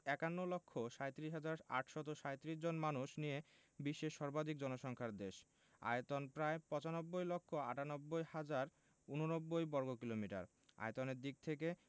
৫১ লক্ষ ৩৭ হাজার ৮৩৭ জন মানুষ নিয়ে বিশ্বের সর্বাধিক জনসংখ্যার দেশ আয়তন প্রায় ৯৫ লক্ষ ৯৮ হাজার ৮৯ বর্গকিলোমিটার আয়তনের দিক থেকে